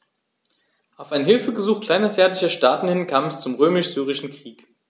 Auf ein Hilfegesuch kleinasiatischer Staaten hin kam es zum Römisch-Syrischen Krieg.